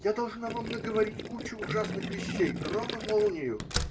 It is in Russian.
-- Я должна вам наговорить кучу ужасных вещей, гром и молнию.